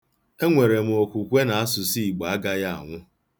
Enwere m okwukwe na asụsụ Igbo agaghị anwụ.